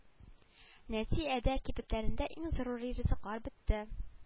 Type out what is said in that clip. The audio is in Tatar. Нәти әдә кибетләрендә иң зарури ризыклар бетте